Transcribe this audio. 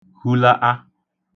hulata